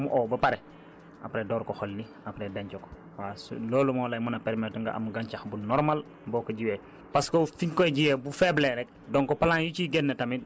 dañuy xaar ba mu ow ba pare après door ko xolli dangay xaar ba mu ow ba pare après door ko xolli après denc ko waaw loolu moo lay mën a permettre nga am gàncax bu normal boo ko jiwee